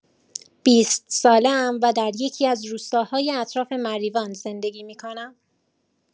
بیست ساله‌ام و در یکی‌از روستاهای اطراف مریوان زندگی می‌کنم.